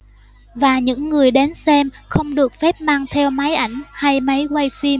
và những người đến xem không được phép mang theo máy ảnh hay máy quay phim